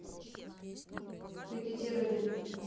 рекетир один